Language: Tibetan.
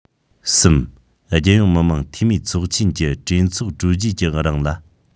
གསུམ རྒྱལ ཡོངས མི དམངས འཐུས མིའི ཚོགས ཆེན གྱི གྲོས ཚོགས གྲོལ རྗེས ཀྱི རིང ལ